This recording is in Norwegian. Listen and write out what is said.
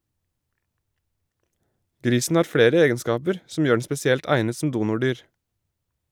Grisen har flere egenskaper som gjør den spesielt egnet som donordyr.